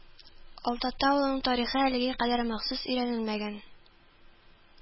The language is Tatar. Алтата авылының тарихы әлегә кадәр махсус өйрәнелмәгән